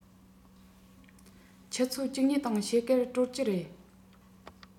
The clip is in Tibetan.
ཆུ ཚོད བཅུ གཉིས དང ཕྱེད ཀར གྲོལ གྱི རེད